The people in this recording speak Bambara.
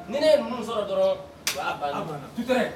Ni ne ye ninnu sɔrɔ dɔrɔn